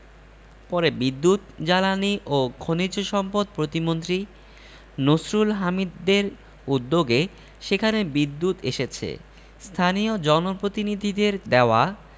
পরে বিদ্যুৎ জ্বালানি ও খনিজ সম্পদ প্রতিমন্ত্রী নসরুল হামিদদের উদ্যোগে সেখানে বিদ্যুৎ এসেছে স্থানীয় জনপ্রতিনিধিদের দেওয়া